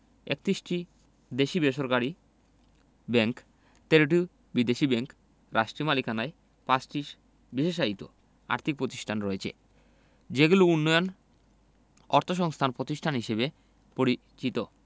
৩১টি দেশী বেসরকারি ব্যাংক ১৩টি বিদেশী ব্যাংক রাষ্ট্রীয় মালিকানার ৫টি বিশেষায়িত আর্থিক প্রতিষ্ঠান রয়েছে যেগুলো উন্নয়ন অর্থসংস্থান প্রতিষ্ঠান হিসেবে পরিচিত